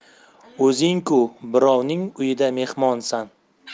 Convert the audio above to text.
o'zing ku birovning uyida mehmonsan